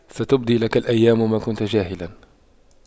ستبدي لك الأيام ما كنت جاهلا